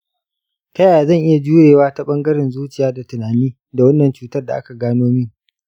ta yaya zan iya jurewa ta bangaren zuciya da tunani da wannan cutar da aka gano min?